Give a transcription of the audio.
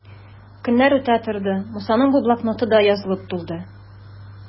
Көннәр үтә торды, Мусаның бу блокноты да язылып тулды.